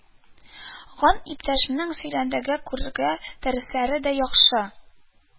Ган иптәшемнең сөйләдегенә күрә, дәресләре дә яхшы